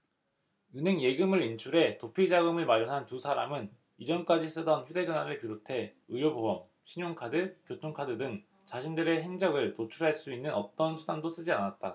은행 예금을 인출해 도피자금을 마련한 두 사람은 이전까지 쓰던 휴대전화를 비롯해 의료보험 신용카드 교통카드 등 자신들의 행적을 노출할 수 있는 어떤 수단도 쓰지 않았다